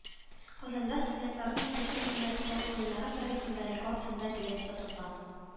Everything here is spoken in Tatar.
Казанда студентларның Бөтендөнья спорт Уеннары тарихында рекорд санда билет сатылган.